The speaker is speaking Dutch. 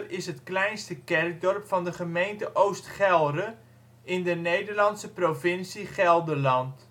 is het kleinste kerkdorp van de gemeente Oost Gelre, in de Nederlandse provincie Gelderland